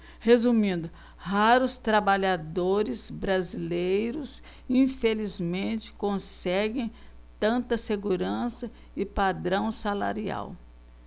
resumindo raros trabalhadores brasileiros infelizmente conseguem tanta segurança e padrão salarial